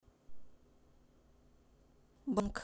банк